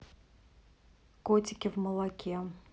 котики в молоке